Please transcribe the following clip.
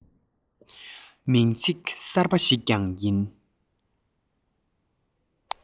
མིང ཚིག གསར པ ཞིག ཀྱང ཡིན